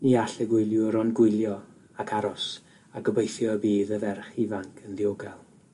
Ni all y gwyliwr ond gwylio, ac aros, a gobeithio y budd y ferch ifanc yn ddiogel.